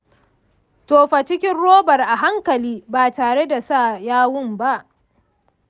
tofa cikin robar a hankali ba tare da sa yawu ba.